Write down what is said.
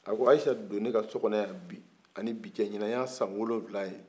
a ko aise don ne ka kɔnɔ bi ani bi cɛ ɲina y'a san wolonwula ye